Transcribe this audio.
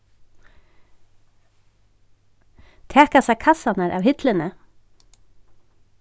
tak hasar kassarnar av hillini